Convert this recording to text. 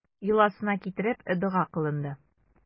Йоласына китереп, дога кылынды.